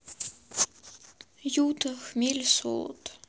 юта хмель и солод